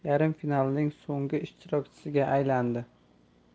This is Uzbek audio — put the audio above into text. terma jamoasi yarim finalning so'nggi ishtirokchisiga aylandi